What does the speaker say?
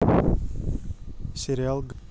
сериал гача лайф